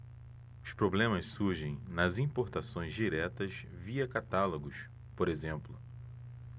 os problemas surgem nas importações diretas via catálogos por exemplo